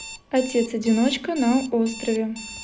отец одиночка на острове